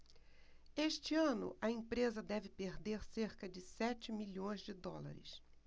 este ano a empresa deve perder cerca de sete milhões de dólares